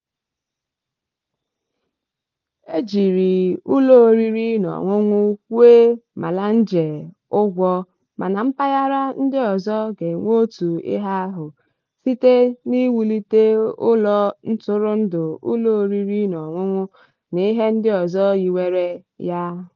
E jiri ụlọ oriri na ọṅụṅụ kwụọ Malanje "ụgwọ", mana mpaghara ndị ọzọ ga-enwe otu ihe ahụ, site n'iwulite ụlọ ntụrụndụ, ụlọ oriri na ọṅụṅụ na ihe ndị ọzọ yiwere ya.